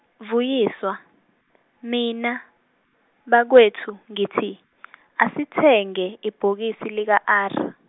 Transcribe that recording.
Vuyiswa mina bakwethu ngithi asithenge ibhokisi lika R.